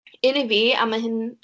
un i fi, a ma' hyn